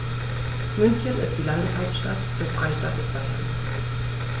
München ist die Landeshauptstadt des Freistaates Bayern.